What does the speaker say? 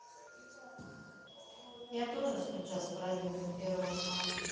я тоже скучал с праздником первого мая